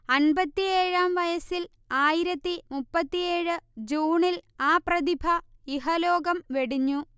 അൻപത്തിയേഴാം വയസ്സിൽ ആയിരത്തി മുപ്പത്തിയേഴ് ജൂണിൽ ആ പ്രതിഭ ഇഹലോകം വെടിഞ്ഞു